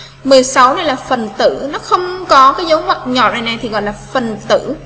là phần tử nó không có cái dấu ngoặc nhỏ này thì gọi là phần tử